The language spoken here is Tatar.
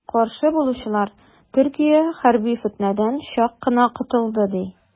Каршы булучылар, Төркия хәрби фетнәдән чак кына котылды, ди.